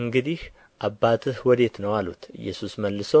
እንግዲህ አባትህ ወዴት ነው አሉት ኢየሱስ መልሶ